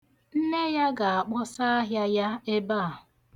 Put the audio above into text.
Nne ya ga-akpọsa ahịa ya ebe a.